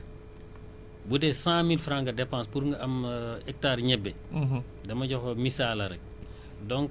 Etat bi fayal la quatre mille nga fay ñu quatre mille bu dee cent mille franc nga dépense pour nga am hectare ñebe